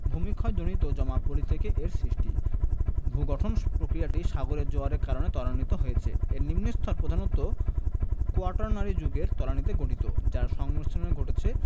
ভূমিক্ষয়জনিত জমা পলি থেকে এর সৃষ্টি ভূগঠন প্রক্রিয়াটি সাগরের জোয়ারের কারণে ত্বরান্বিত হয়েছে এর নিম্নস্তর প্রধানত কোয়াটারনারি যুগের তলানিতে গঠিত যার সংমিশ্রণ ঘটেছে